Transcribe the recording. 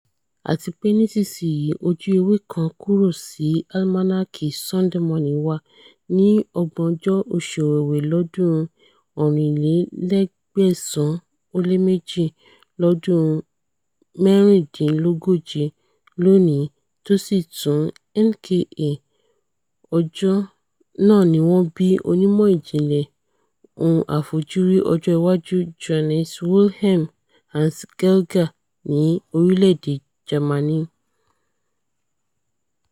Àtipé nísinsìnyí ojú-ewé kan kúrò sí Álimánáàkì ''Sunday Morning'' wa: Ní Ọgbọ̀nọjọ́ oṣù Owewe, lọ́dún 1882, lọ́dún mẹ̵́rìndínlógóje lóòní, tósì tún ŃKA... ọjọ́ náà ni wọ́n bí onímọ̀ ìjìnlẹ ohun àfojúrí ọjọ́ iwájú Johannes Wilhelm ''Hans'' Geiger ní orílẹ̀-èdè Jamani.